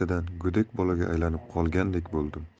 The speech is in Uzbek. go'dak bolaga aylanib qolgandek bo'ldim